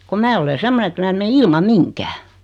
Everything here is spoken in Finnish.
kun minä olen semmoinen että minä en mene ilman mihinkään